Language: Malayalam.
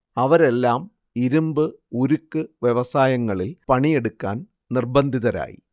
അവരെല്ലാം ഇരുമ്പ്, ഉരുക്ക് വ്യവസായങ്ങളിൽ പണിയെടുക്കാൻ നിർബന്ധിതരായി